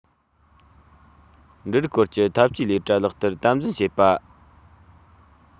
འབྲུ རིགས སྐོར གྱི འཐབ ཇུས ལས གྲྭ ལག བསྟར དམ འཛིན བྱེད པ